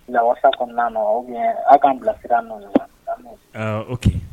Nka walasasa kɔnɔna aw'an bilasira n'o